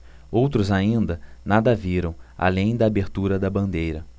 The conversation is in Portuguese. outros ainda nada viram além da abertura da bandeira